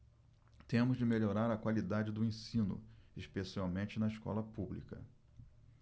temos de melhorar a qualidade do ensino especialmente na escola pública